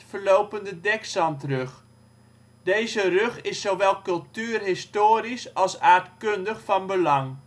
verlopende dekzandrug. Deze rug is zowel cultuurhistorisch als aardkundig van belang